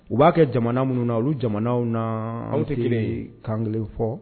U b'a kɛ jamana minnu na olu jamanaw na aw tɛ kan kelen fɔ